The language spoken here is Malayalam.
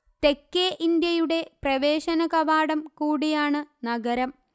തെക്കേ ഇന്ത്യയുടെ പ്രവേശനകവാടം കൂടിയാണ് നഗരം